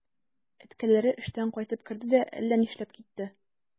Әткәләре эштән кайтып керде дә әллә нишләп китте.